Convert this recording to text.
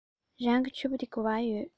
རང གི ཕྱུ པ དེ ག པར ཡོད